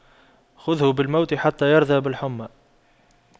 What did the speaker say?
خُذْهُ بالموت حتى يرضى بالحُمَّى